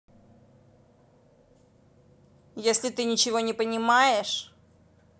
если ты ничего не понимаешь